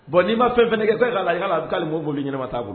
Bon n'i ma fɛn fana kɛ ko e k'a lajɛ ko halo mobili ɲɛnama t'a bolo